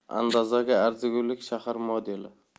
andozaga arzigulik shahar modeli